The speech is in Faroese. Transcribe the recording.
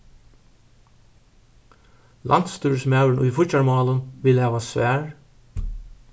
landsstýrismaðurin í fíggjarmálum vil hava svar